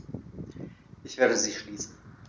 Ich werde sie schließen.